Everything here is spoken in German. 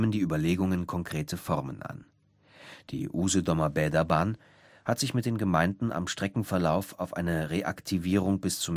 die Überlegungen konkrete Formen an. Die UBB hat sich mit den Gemeinden am Streckenverlauf auf eine Reaktivierung bis